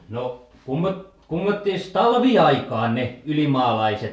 no - kummottoos talviaikaan ne ylimaalaiset